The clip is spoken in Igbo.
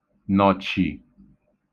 nọ̀chì